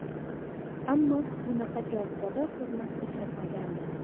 ammo bunaqa jozibador qizni uchratmagandi